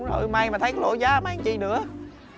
may mà thấy cái lỗ dá thì may làm chi nữa